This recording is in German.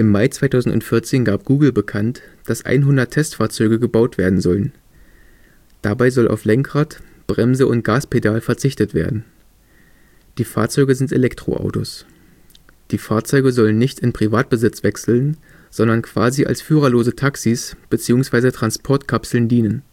Mai 2014 gab Google bekannt, dass 100 Testfahrzeuge gebaut werden sollen. Dabei soll auf Lenkrad, Bremse und Gaspedal verzichtet werden. Die Fahrzeuge sind Elektroautos. Die Fahrzeuge sollen nicht in Privatbesitz wechseln, sondern quasi als führerlose Taxis bzw. Transportkapseln dienen